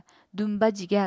dumba jigar